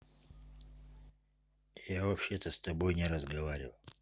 я вообще с тобой не разговаривал